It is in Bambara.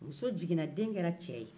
muso jiginna den kɛra cɛ ye